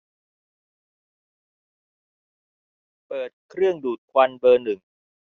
เปิดเครื่องดูดควันเบอร์หนึ่ง